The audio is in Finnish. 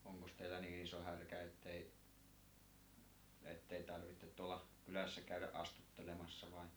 onkos teillä niin iso härkä että ei että ei tarvitse tuolla kylässä käydä astuttelemassa vai